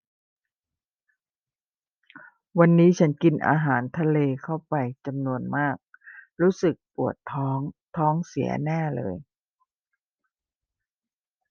วันนี้ฉันกินอาหารทะเลเข้าไปจำนวนมากรู้สึกปวดท้องท้องเสียแน่เลย